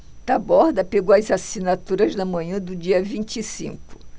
taborda pegou as assinaturas na manhã do dia vinte e cinco